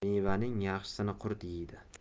mevaning yaxshisini qurt yeydi